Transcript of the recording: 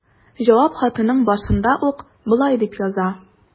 Җавап хатының башында ук ул болай дип яза.